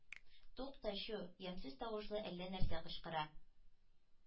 Тукта, чү! Ямьсез тавышлы әллә нәрсә кычкыра.